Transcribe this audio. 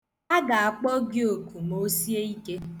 A ga-akpọ gị oku ma o sie ike.